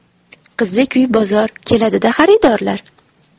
qizlik uy bozor keladi da xaridorlar